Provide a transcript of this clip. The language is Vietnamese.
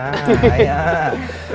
ai da ai